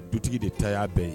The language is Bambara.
Dutigi de ta y'a bɛɛ ye